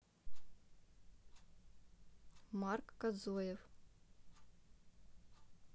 марк кодзоев